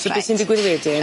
So beth sy'n digwydd wedyn?